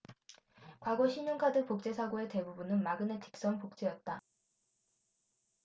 과거 신용카드 복제 사고의 대부분은 마그네틱선 복제였다